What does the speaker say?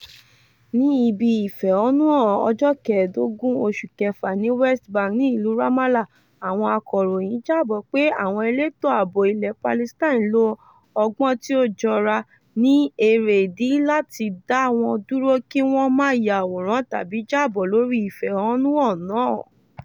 Ní ibi ìfẹhónúhàn ọjọ́ kẹẹ̀dógún oṣù kẹfà ní West Bank ní ìlú Ramallah, àwọn akọ̀ròyìn jábọ̀ pé àwọn elétò àbò ilẹ̀ Palestine lo ọgbọ́n tí ó jọra ní èrè ìdí láti dá wọn dúró kí wọ́n má ya àwòrán tàbí jábọ̀ lórí ìfẹhónúhàn náà.